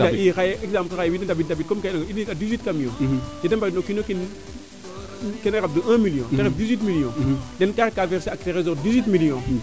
i xaye exemple xaye wiin ndambid comme que i njeg a dix huit camion yede mbang na o kiino kiin keene rabdu un million te ref dix huit million ten kaa retv ka a verser dix huit million